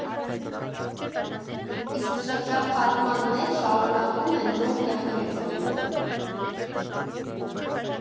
Իսկ շրջափակման մեջ շարունակում են նոր կյանքեր ծնվել.